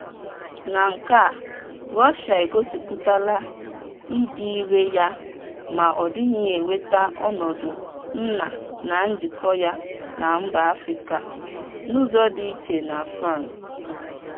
Na nke a, Russia egosịpụtala ịdị irè ya ma ọ dịghị eweta ọnọdụ nna na njikọ ya na mba Afrịka, n'ụzọ dị iche na France.